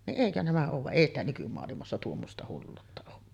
niin eikö nämä olen vaan ei sitä nykymaailmassa tuommoista hulluutta ole kyllä